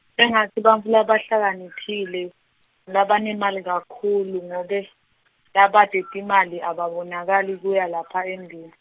shengatsi bantfu labahlakaniphile, ngulabanemali kakhulu ngobe, labate timali ababonakali kuya lapha embili.